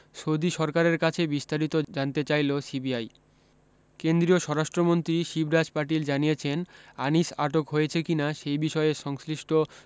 Saudi সরকারের কাছে বিস্তারিত জানতে চাইল সিবিআই কেন্দ্রীয় স্বরাষ্ট্রমন্ত্রী শিবরাজ পাটিল জানিয়েছেন আনিস আটক হয়েছে কিনা সেই বিষয়ে সংশ্লিষ্ট